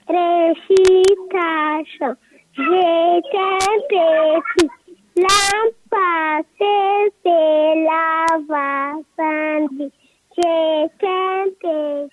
Seki ka sa sekɛ seki walafa se se labanban fa se tɛ se